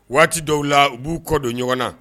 Waati dɔw la u b'u kɔdon ɲɔgɔn na